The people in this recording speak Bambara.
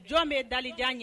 Jɔn bɛ dalijan ɲ